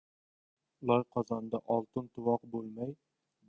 loy qozonga oltin tuvoq